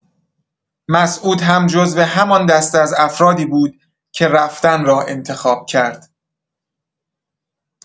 مسعود هم جزو همان دسته از افرادی بود که رفتن را انتخاب کرد.